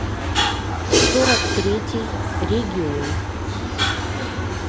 сорок третий регион